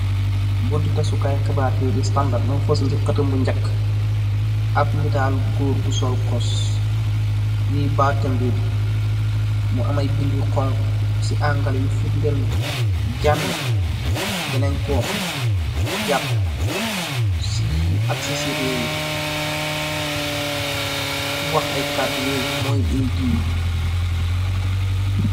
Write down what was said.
Bunti tasu kai xibaar bi di standard mu fesal si xetam bu ngeh ap netal gorr bu sol koss li batim bi la mo am ay binda yu xonxu si angale yu ferden neh Jammeh dinen ko japa si agsi si rew mi ko wah ay cado yuyu moi AG bi.